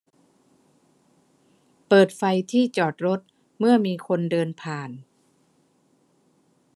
เปิดไฟที่จอดรถเมื่อมีคนเดินผ่าน